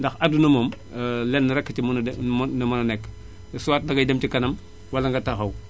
ndax àdduna moom lenn rekk a ci mën a def moo mën a nekk soit dangay dem ci kanam wala nga taxaw